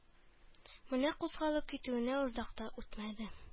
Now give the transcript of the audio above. Менә кузгалып китүенә озак та үтмәде